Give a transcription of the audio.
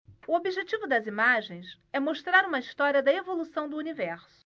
o objetivo das imagens é mostrar uma história da evolução do universo